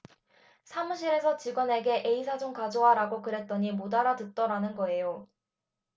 사무실에서 직원에게 에이사 좀 가져와라고 그랬더니 못 알아듣더라는 거예요